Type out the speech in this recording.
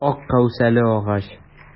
Ак кәүсәле агач.